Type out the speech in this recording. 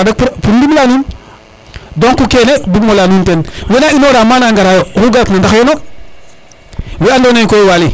ka i ngara rek pour ndimle a nuun donc kene bugmo leya nuun ten wena inora maga na ngara yo oxu garat na ndaxeno we ando naye koy Waly